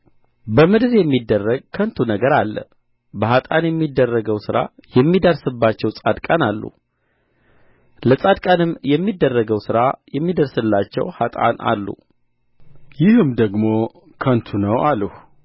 በምድር የሚደረግ ከንቱ ነገር አለ በኀጥኣን የሚደረገው ሥራ የሚደርስባቸው ጻድቃን አሉ ለጻድቃንም የሚደረገው ሥራ የሚደርስላቸው ኀጥኣን አሉ ይህም ደግሞ ከንቱ ነው አልሁ